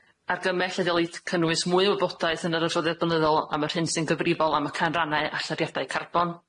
argymell y dylid cynnwys mwy o wybodaeth yn yr adroddiad blynyddol am yr hyn sy'n gyfrifol am y canrannau allyriadau carbon,